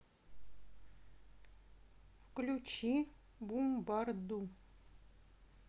включи бумбарду